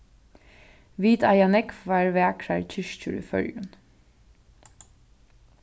vit eiga nógvar vakrar kirkjur í føroyum